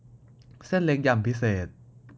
เส้นเล็กยำพิเศษ